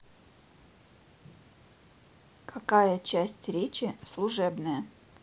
какая часть речи служебная